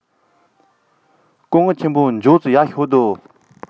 སྐུ ངོ ཆེན མོ མགྱོགས པོ ཡར ཕེབས དང